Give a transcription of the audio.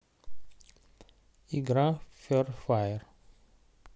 игра ферфаер